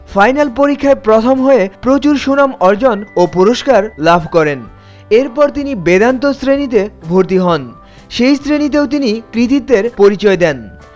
final পরীক্ষায় প্রথম হয়ে প্রচুর সুনাম অর্জন ও পুরস্কার লাভ করেন এরপর তিনি বেদান্ত শ্রেণীতে ভর্তি হন সেই শ্রেণীতেও তিনি কৃতিত্বের পরিচয় দেন